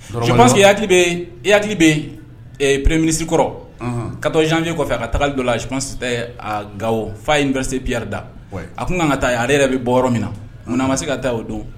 Seke i iki bɛ yen perem minisi kɔrɔ ka jan kɔfɛ a ka taali dɔ asi gawo f fa ye bere pri da a ko ka taa ale yɛrɛ bɛ bɔ yɔrɔ min na munna ma se ka taa o don